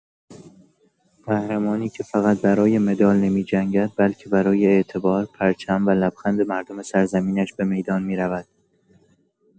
قهرمانی که فقط برای مدال نمی‌جنگد، بلکه برای اعتبار، پرچم و لبخند مردم سرزمینش به میدان می‌رود.